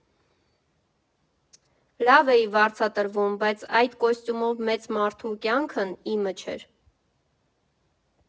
Լավ էի վարձատրվում, բայց այդ՝ կոստյումով մեծ մարդու կյանքն իմը չէր։